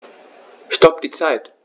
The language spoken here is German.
Stopp die Zeit